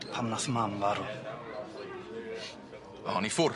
Pam nath mam farw? O'n i ffwr'.